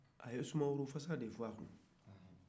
a ye sumaworo fasa de fɔ a kun